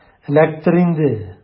Эләктер инде!